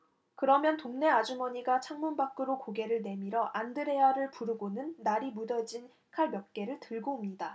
그러면 동네 아주머니가 창문 밖으로 고개를 내밀어 안드레아를 부르고는 날이 무뎌진 칼 몇 개를 들고 옵니다